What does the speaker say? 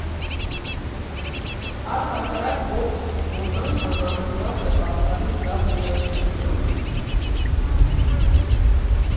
Առհասարակ ողջ զբոսանքը համեմված է բացառիկ լավ երաժշտությամբ։